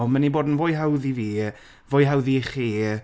Mae'n mynd i bod yn fwy hawdd i fi fwy hawdd i chi.